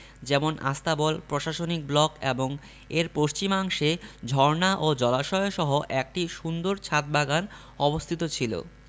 যেমন আস্তাবল প্রশাসনিক ব্লক এবং এর পশ্চিমাংশে ঝর্ণা ও জলাশয়সহ একটি সুন্দর ছাদ বাগান অবস্থিত ছিল